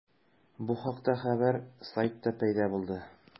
Бу хакта хәбәр сайтта пәйда булды.